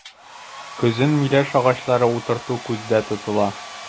Көзен миләш агачлары утырту күздә тотыла.